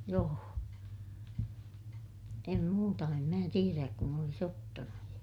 joo en muuta en minä tiedä kun olisi ottanut